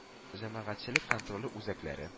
Җәмәгатьчелек контроле үзәкләре